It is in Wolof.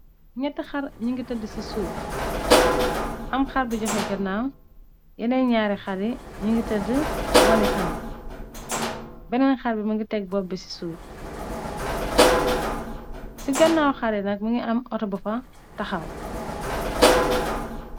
Ñett haar ñungi tëdd ci suuf. Am haar bi joheeh gannaaw, yeneen ñaari haar yi nungi tëdd woneh kanam. benen haar bi mungi teg bop bi ci suuf. Ci gannaaw haar yi nak mungi am auto bufa tahaw.